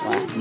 waaw